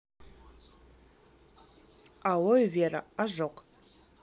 aloe vera ожог